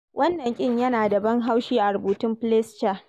Wannan kin yana da ban haushi, a rubutun Fleischer.